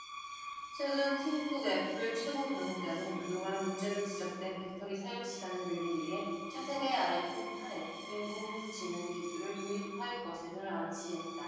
최근 팀쿡 애플 최고경영자는 그동안 문제로 지적된 배터리 사용시간을 늘리기 위해 차세대 아이폰 팔 에 인공지능기술을 도입할 것임을 암시했다